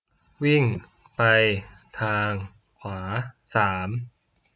วิ่งไปทางขวาสาม